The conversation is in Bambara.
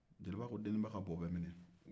jeliba ko deninba ka bɔ bɛ min de